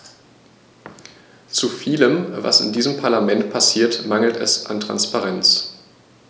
Zu vielem, was in diesem Parlament passiert, mangelt es an Transparenz.